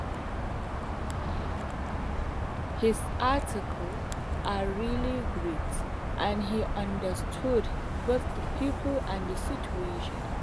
his articles were really great and he understood both the people and the situations.